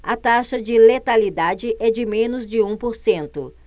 a taxa de letalidade é de menos de um por cento